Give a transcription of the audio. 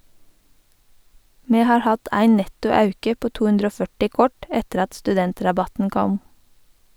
Me har hatt ein netto auke på tohundreogførti kort etter at studentrabatten kom.